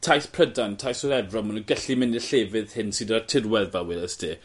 taith Prydan taith Swydd Efrog ma' n'w gellu mynd i'r llefydd hyn sy 'da tirwedd fel wedest ti.